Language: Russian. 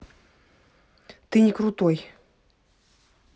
ты не крутой